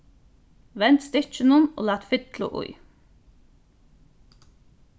vend stykkinum og lat fyllu í